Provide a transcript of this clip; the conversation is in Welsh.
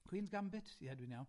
Queen's Gambit, yeah, dwi'n iawn.